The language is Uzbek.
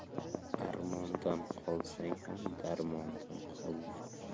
armondan qolsang ham darmondan qolma